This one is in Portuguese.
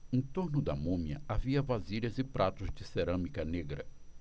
em torno da múmia havia vasilhas e pratos de cerâmica negra